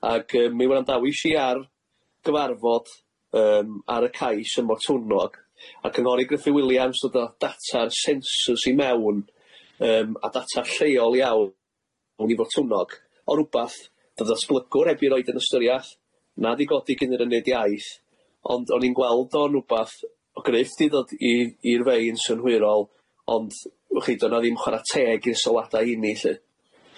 Ag yy mi wrandawish i ar gyfarfod yym ar y cais ym Motwnog ac yng Norig y Williams ddododd data'r census i mewn yym a data lleol iawn mewn i Motwnog o rwbath o ddatblygwr heb i roid yn ystyriaeth nad i godi gan yr uned iaith ond o'n i'n gweld o'n wbath o gryfft i ddod i i'r fei'n synhwyrol ond wchid o' na ddim chwara teg i'r sylwadau heini lly.